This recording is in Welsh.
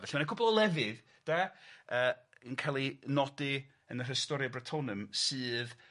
Felly ma' 'na cwpl o lefydd 'de yy yn cael eu nodi yn yr Historia Brittonum sydd